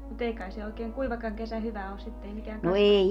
mutta ei kai se oikein kuivakaan kesä hyvä ole sitten ei mikään kasva